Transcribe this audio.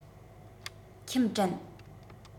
ཁྱིམ དྲན